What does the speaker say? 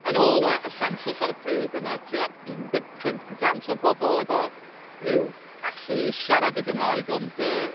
Yn ôl y y sensws ar y pryd, yy ma' tua undeg pump y cant o bobl efo ryw allu i siarad y Gymraeg, ond yy...